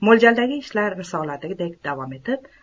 mo'ljaldagi ishlar risoladagiday davom etib